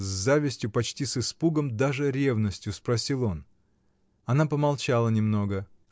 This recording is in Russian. — с завистью, почти с испугом, даже ревностью, спросил он. Она помолчала немного.